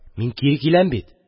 Мин кире киләм бит.